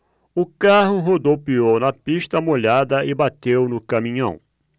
o carro rodopiou na pista molhada e bateu no caminhão